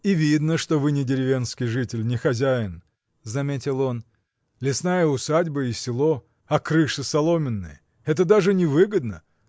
— И видно, что вы не деревенский житель, не хозяин, — заметил он, — лесная усадьба и село, а крыши соломенные — это даже невыгодно!